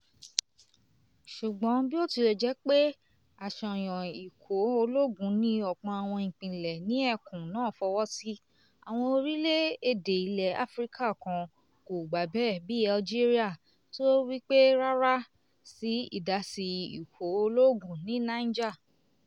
Ṣùgbọ́n bí ó tilẹ̀ jẹ́ pé àṣàyàn ikọ̀ ológun ní ọ̀pọ̀ àwọn ìpínlẹ̀ ní ẹkùn náà fọwọ́ sí, àwọn orílẹ̀-èdè ilẹ̀ Áfíríkà kan kò gbà bẹ́ẹ̀, bíi Algeria, tí ó ń wí pé 'rárá' sí ìdásí ikọ̀ ológun ní Niger.